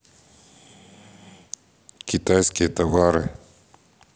китайские товары